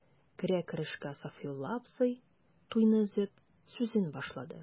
Керә-керешкә Сафиулла абзый, туйны өзеп, сүзен башлады.